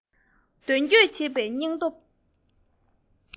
མདུན སྐྱོད བྱེད པའི སྙིང སྟོབས